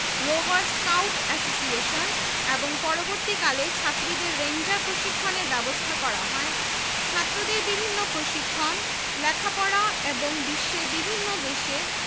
rover scout association এবং পরবর্তীকালে ছাত্রীদের রেঞ্জার প্রশিক্ষণের ব্যবস্থা করা হয় ছাত্রদের বিভিন্ন প্রশিক্ষণ লেখাপড়া এবং বিশ্বের বিভিন্ন দেশে